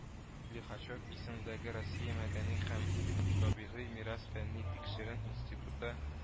“лихачев исемендәге россия мәдәни һәм табигый мирас фәнни-тикшерен институты”